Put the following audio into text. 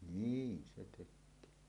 niin se tekee